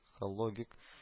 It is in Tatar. Психоллогик